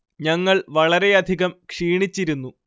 ഞങ്ങൾ വളരെയധികം ക്ഷീണിച്ചിരുന്നു